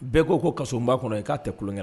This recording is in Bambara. Bɛɛ ko ko kasobonba kɔnɔ ye k'a tɛ kuloŋɛ la